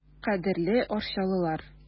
Кадерле арчалылар!